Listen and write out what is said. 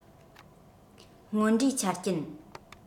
སྔོན འགྲོའི ཆ རྐྱེན